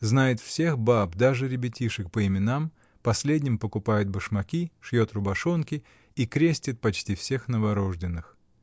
Знает всех баб, даже ребятишек по именам, последним покупает башмаки, шьет рубашонки и крестит почти всех новорожденных.